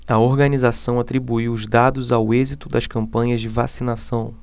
a organização atribuiu os dados ao êxito das campanhas de vacinação